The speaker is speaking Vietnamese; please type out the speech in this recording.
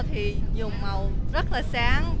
thì dùng màu rất là sáng